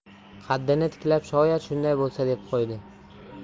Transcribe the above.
qaddini tiklab shoyad shunday bo'lsa deb qo'ydi